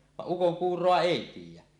vaan ukonkuuroa ei tiedä